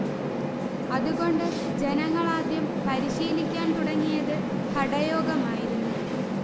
അതുകൊണ്ട് ജനങ്ങൾ ആദ്യം പരിശീലിക്കാൻ തുടങ്ങിയത് ഹഠയോഗമായിരുന്നു